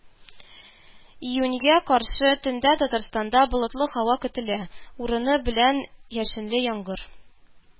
Июньгә каршы төндә татарстанда болытлы һава көтелә, урыны белән яшенле яңгыр